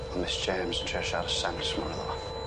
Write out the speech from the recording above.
O' Miss James yn trio siarad sense mewn iddo fo.